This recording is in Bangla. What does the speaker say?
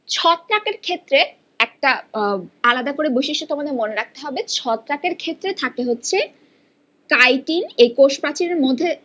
ছত্রাক এর ক্ষেত্রে একটা আলাদা করে বৈশিষ্ট্য তোমাদের মনে রাখতে হবে ছত্রাক এর ক্ষেত্রে থাকে হচ্ছে কাইটিন এ কোষ প্রাচীরের মধ্যে